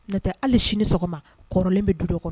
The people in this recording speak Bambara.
N natɛ hali siniinin sɔgɔma kɔrɔlen bɛ du kɔnɔ